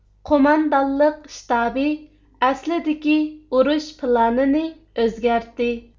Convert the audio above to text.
قوماندانلىق شتابى ئەسلىدىكى ئۇرۇش پىلانىنى ئۆزگەر